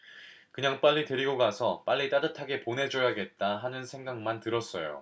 그냥 빨리 데리고 가서 빨리 따뜻하게 보내줘야겠다 하는 생각만 들었어요